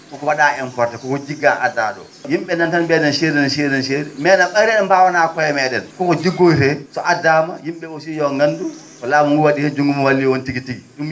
koko wa?a importé koko jiggaa addaa ?o yim?e nani tan mbiya na seeri no seeri no seeri mais nak ?ayde en mbaawanaa koye mee?en koko jiggoytee so addaama yim?e aussi yo nganndu ko laamu nguu wa?i heen juutngo mum walli on tigi tigi